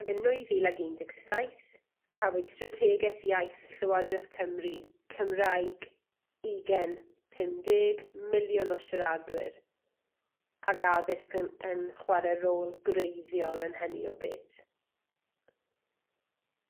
Ag yn nwy fil ag un deg saith, cafwyd strategeth iaith Llywodreth Cymru Cymraeg Ugen Pumdeg Miliwn o Siaradwyr, ag addysg yn yn chware rôl greiddiol yn hynny o beth.